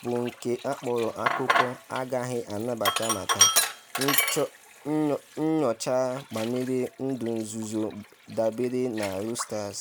bụ nke ha kpọrọ “akụkọ agaghị anabata maka nyocha banyere ndụ nzuzo,” dabere na Reuters.